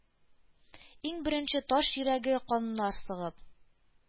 Иң беренче таш йөрәге каннар сыгып,